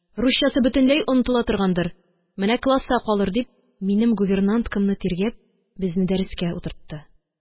– русчасы бөтенләй онытыла торгандыр, менә класста калыр, – дип, минем гувернанткамны тиргәп, безне дәрескә утыртты